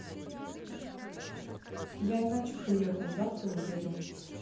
я иначе приехал завтра уеду